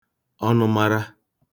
ọnụmara